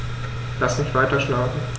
Lass mich weiterschlafen.